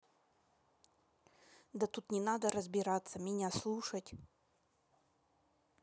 да тут не надо разбираться меня слушать